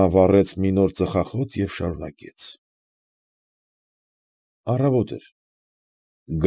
Նա վառեց մի նոր ծխախոտ և շարունակեց, ֊ Առավոտ էր։